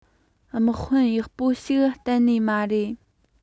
དམག དཔོན ཡག པོ ཞིག གཏན ནས མ རེད